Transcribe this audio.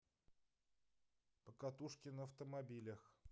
покатушки на автомобилях